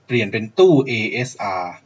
เปลี่ยนเป็นตู้เอเอสอา